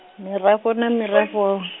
mirafho na mirafho.